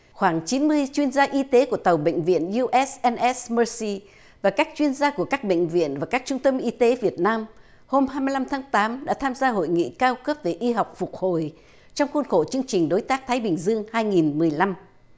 khoảng chín mươi chuyên gia y tế của tàu bệnh viện diu ét en ét mơ xi và các chuyên gia của các bệnh viện và các trung tâm y tế việt nam hôm hai mươi lăm tháng tám đã tham gia hội nghị cao cấp về y học phục hồi trong khuôn khổ chương trình đối tác thái bình dương hai nghìn mười lăm